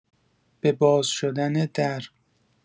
به باز شدن در